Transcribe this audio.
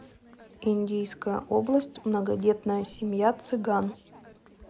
индийская область многодетная семья цыган